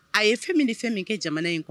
A ye fɛn min fɛn min kɛ jamana in kɔnɔ